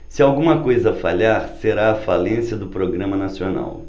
se alguma coisa falhar será a falência do programa nacional